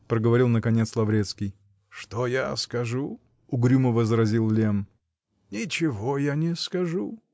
-- проговорил наконец Лаврецкий. -- Что я скажу? -- угрюмо возразил Лемм. -- Ничего я не скажу.